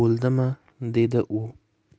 bo'ldimi dedi u